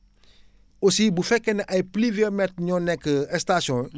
aussi bu fekkee ne ay pluviomètres ñoo nekk station